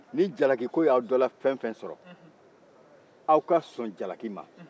ni jalakiko y'aw dɔlakelen sɔrɔ aw ka sɔ jalaki ma